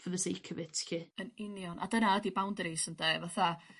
for the sake of it 'lly. Yn union. A dyna ydi boundaries ynde fatha